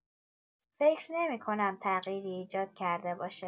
فکر نمی‌کنم تغییری ایجاد کرده باشه.